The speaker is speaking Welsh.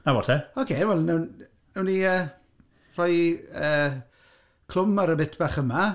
'Na fo, te... OK wel wnawn wnawn ni yy rhoi yy clwm ar y bit bach yma...